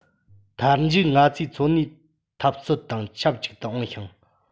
མཐར མཇུག ང ཚོས འཚོ གནས འཐབ རྩོད དང ཆབས ཅིག ཏུ འོངས ཤིང